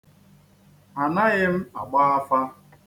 Anaghị m agba afa.